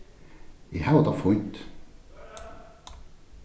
eg havi tað fínt